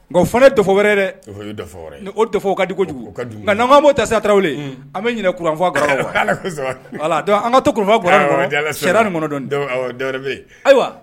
Nka fana ne dɔ wɛrɛ dɛ wɛrɛ fɔ ka kojugu kojugu nka namamu tasaw an bɛfa an ka to bɔraɛrɛ ayiwa